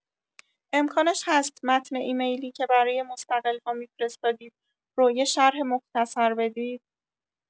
امکانش هست متن ایمیلی که برای مستقل‌ها می‌فرستادید رو یه شرح مختصر بدید؟